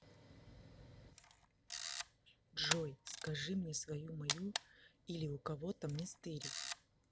джой скажи мне свою мою или у кого то мне стырить